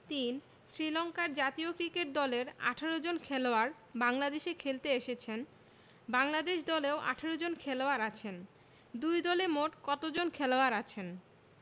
৩ শ্রীলংকার জাতীয় ক্রিকেট দলের ১৮ জন খেলোয়াড় বাংলাদেশে খেলতে এসেছেন বাংলাদেশ দলেও ১৮ জন খেলোয়াড় আছেন দুই দলে মোট কতজন খেলোয়াড় আছেন